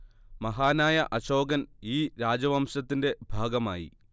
മഹാനായ അശോകൻ ഈ രാജവംശത്തിന്റെ ഭാഗമായി